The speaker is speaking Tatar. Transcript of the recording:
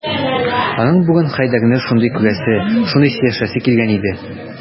Аның бүген Хәйдәрне шундый күрәсе, шундый сөйләшәсе килгән иде...